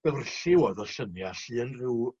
o'dd y llynia 'lly yn ryw